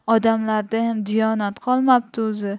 odamlardayam diyonat qolmapti o'zi